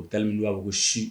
U taa b'a ko si